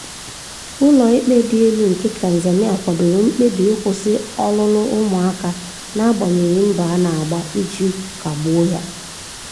Ụlọ ikpe dị elu nke Tanzania kwadoro mkpebi ịkwụsị ọlụlụ ụmụaka na-agbanyeghị mbọ a na-agba iji kagbuo ya